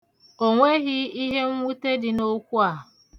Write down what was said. Onweghị ihe nnwute dị n'okwu a.